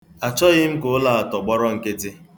Achọghị m ka ụlọ a tọgbọrọ nkịtị.